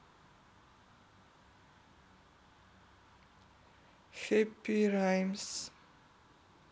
хэппи раймс